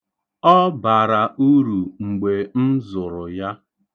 Nwa m bara uru.